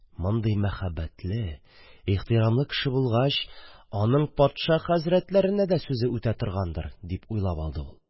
«мондый мәһәбәт, ихтирамлы кеше булгач, аның патша хәзрәтләренә дә сүзе үтә торгандыр, – дип уйлап алды ул.